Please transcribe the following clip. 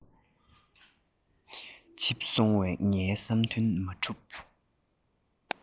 འཇིབས སོང བས ངའི བསམ དོན མ གྲུབ